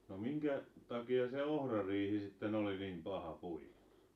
no minkä takia se ohrariihi sitten oli niin paha puida